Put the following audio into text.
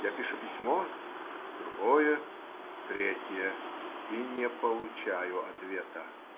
Я пишу письмо, другое, третье - и не получаю ответа.